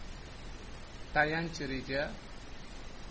tayanch reja